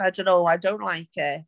I don't know, I don't like it.